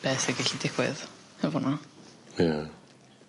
beth sy gellu digwydd hefo 'na. Ie.